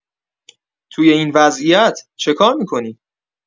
توی این وضعیت چه کار می‌کنی؟